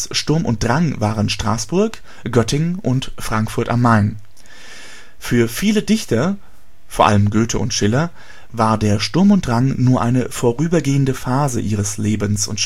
Sturm und Drang waren Straßburg, Göttingen, Frankfurt am Main. Für viele Dichter, v. a. Goethe und Schiller, war der Sturm und Drang nur eine vorübergehende Phase ihres Lebens und